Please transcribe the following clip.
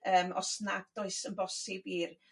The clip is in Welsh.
Yrm os nad oes yn bosib i'r